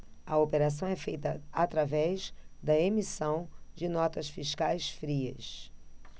a operação é feita através da emissão de notas fiscais frias